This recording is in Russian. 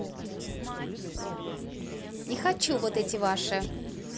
не хочу вот эти ваши